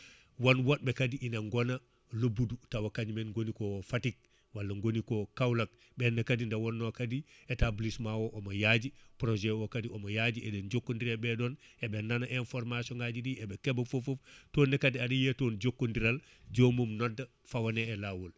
won woɓɓe kadi ina gona lobbudu tawa kañum en goni ko Fatick walla goni ko Kaolack ɓenne kadi nde wonno kadi établissement o omo yaaji projet o kaadi omo yaji eɗen jokkodiri e ɓeɗon eɓe nana information ngaji ɗi eɓe keɓa foofoof toon kadi aɗa yiya toon jokkodiral jomum nodda fawane e lawol